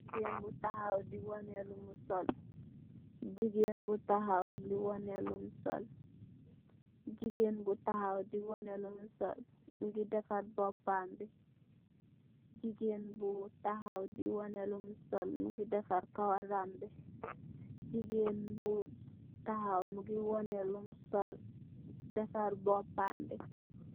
Gigeen bu taxaw di waneh lum sol, mugeh defarr bópambi .